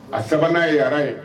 A sabanan'a ye ara ye